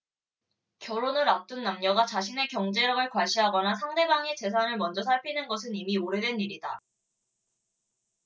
결혼을 앞둔 남녀가 자신의 경제력을 과시하거나 상대방의 재산을 먼저 살피는 것은 이미 오래된 일이다